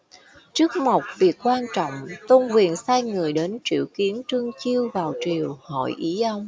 trước một việc quan trọng tôn quyền sai người đến triệu kiến trương chiêu vào triều hỏi ý ông